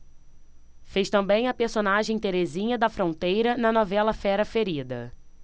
fez também a personagem terezinha da fronteira na novela fera ferida